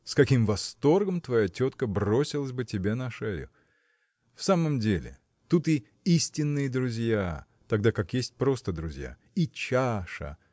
С каким восторгом твоя тетка бросилась бы тебе на шею! В самом деле тут и истинные друзья тогда как есть просто друзья и чаша